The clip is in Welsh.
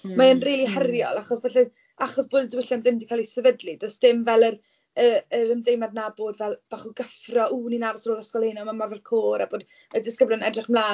Mae e'n rili heriol, achos falle achos bod y diwylliant ddim 'di cael ei sefydlu, does dim fel yr y yr ymdeimlad 'na bod fel bach o gyffro, "ww ni'n aros ar ôl ysgol heno, ma' ymarfer côr" a bod y disgyblion yn edrych ymlaen.